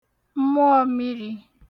mmụọmiri